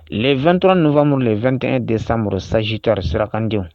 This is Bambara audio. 2t n ninnuufa minnu 2tɛn de sanro sanjitari sirakandenw